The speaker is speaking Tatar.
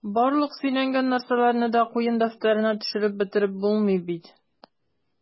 Барлык сөйләнгән нәрсәләрне дә куен дәфтәренә төшереп бетереп булмый бит...